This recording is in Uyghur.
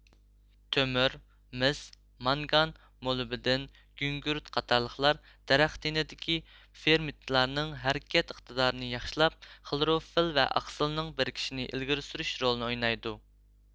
تۆمۈر مىس مانگان مولىبدېن گۈڭگۈرت قاتارلىقلار دەرەخ تېنىدىكى فېرمېنتلارنىڭ ھەرىكەت ئىقتىدارىنى ياخشىلاپ خلوروفىل ۋە ئاقسىلنىڭ بىرىكىشىنى ئىلگىرى سۈرۈش رولىنى ئوينايدۇ